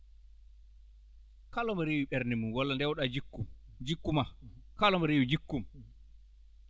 kala mo rewi ɓernde mum walla ndewɗaa jikku jikku maa kala mo rewi jikkum